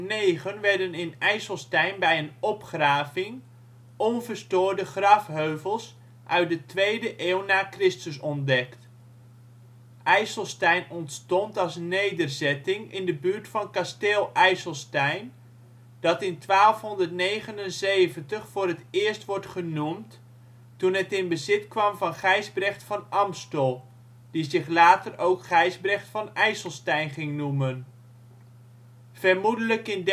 2009 werden in IJsselstein bij een opgraving onverstoorde grafheuvels uit de 2e eeuw n.Chr. ontdekt. IJsselstein ontstond als nederzetting in de buurt van kasteel IJsselstein, dat in 1279 voor het eerst wordt genoemd, toen het in het bezit kwam van Gijsbrecht van Amstel, die zich later ook Gijsbrecht van IJsselstein ging noemen. Vermoedelijk in